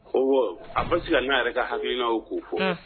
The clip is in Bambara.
Ko a basi ka n'a yɛrɛ ka hakilina k'u fɔ